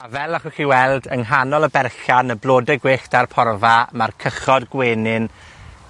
A fel achwch chi weld, yng nghanol y berllan, y blode gwyllt a'r porfa, ma'r cychod gwenyn